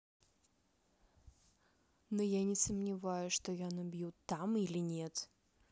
но я не сомневаюсь что я набью там или нет